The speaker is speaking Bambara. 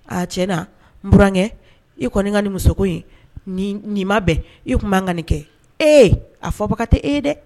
Aa cɛ na n bkɛ i kɔni ka nin muso in nin ma bɛn i tun b'an ka nin kɛ ee a fɔ baba tɛ e ye dɛ